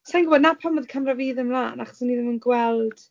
Sa i'n gwybod 'na pam oedd camera fi ddim mlaen, achos o'n i ddim yn gweld...